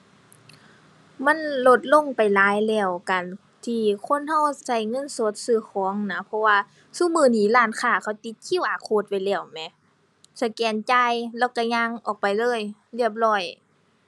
มันลดลงไปหลายแล้วกัน ที่คนเราเราเงินสดซื้อของน่ะ เพราะว่าซุมื้อนี้ร้านค้าเขาติด QR code ไว้แล้วแหม สแกนจ่ายแล้วเราย่างออกไปเลย เรียบร้อย